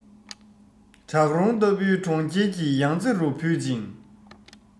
བྲག རོང ལྟ བུའི གྲོང ཁྱེར གྱི ཡང རྩེ རུ བུད ཅིང